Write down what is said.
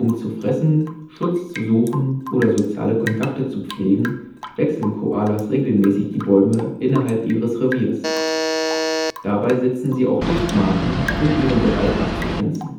zu fressen, Schutz zu suchen oder soziale Kontakte zu pflegen, wechseln Koalas regelmäßig die Bäume innerhalb ihres Reviers. Dabei setzen sie auch Duftmarken, um ihren Bereich abzugrenzen